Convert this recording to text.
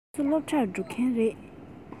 ཁོ ཚོ སློབ གྲྭར འགྲོ མཁན རེད